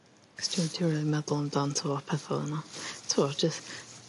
'Chos dwi dwi rili meddwl amdan t'wo peth fel yna t'wo'r jyst